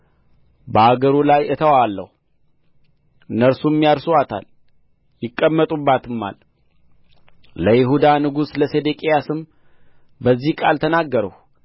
በአገሩ ላይ እተወዋለሁ እነርሱም ያርሱአታል ይቀመጡባትማል ለይሁዳ ንጉሥ ለሴዴቅያስም በዚህ ቃል ተናገርሁ